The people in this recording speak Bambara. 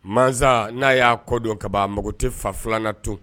Mɔn n'a y'a kɔdon kaban mugu tɛ fa filananna tun